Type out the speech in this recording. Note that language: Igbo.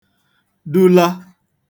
dula